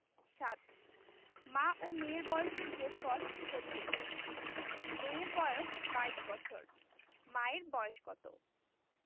৭ মা ও মেয়ের বয়সের যোগফল ৭০ মেয়ের বয়স ২২ বছর মায়ের বয়স কত